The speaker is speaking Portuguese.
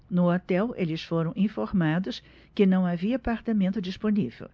no hotel eles foram informados que não havia apartamento disponível